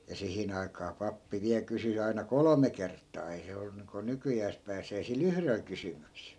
ja siihen aikaan pappi vielä kysyi aina kolme kertaa ei se ollut niin kuin nykyään pääsee sillä yhdellä kysymyksellä